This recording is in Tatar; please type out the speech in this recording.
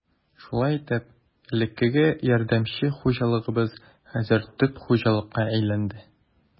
Шулай итеп, элеккеге ярдәмче хуҗалыгыбыз хәзер төп хуҗалыкка әйләнде.